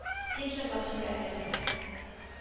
- дип җырлап җибәрде.